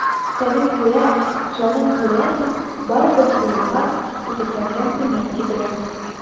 Тәнең күрә, җаның күрә,— дип, барыбер юылган, үтүкләнгән күлмәк кидерә.